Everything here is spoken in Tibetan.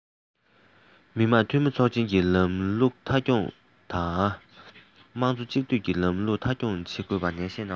མི དམངས འཐུས མི ཚོགས ཆེན གྱི ལམ ལུགས མཐའ འཁྱོངས དང དམངས གཙོ གཅིག སྡུད ལམ ལུགས མཐའ འཁྱོངས བྱེད དགོས ཞེས ནན བཤད གནང བ རེད